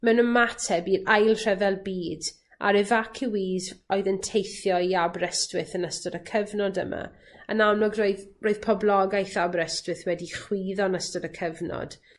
mewn ymateb i'r ail rhyfel byd a'r efaciwîs oedd yn teithio i Aberystwyth yn ystod y cyfnod yma yn amlwg roedd roedd poblogaeth Aberystwyth wedi chwyddo yn ystod y cyfnod